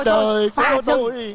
đời của tôi